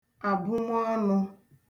àbụmọnụ̄